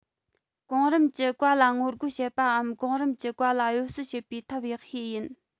གོང རིམ གྱི བཀའ ལ ངོ རྒོལ བྱེད པའམ གོང རིམ གྱི བཀའ ལ གཡོ ཟོལ བྱེད པའི ཐབས ཡག ཤོས ཡིན